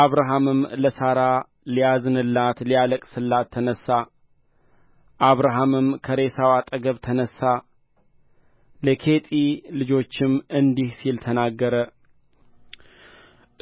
አብርሃምም ለሣራ ሊያዝንላትና ሊያለቅስላት ተነሣ አብርሃምም ከሬሳው አጠገብ ተነሣ ለኬጢ ልጆችም እንዲህ ሲል ተናገረ